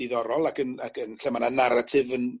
diddorol ac yn ac yn lle ma' 'na naratif yn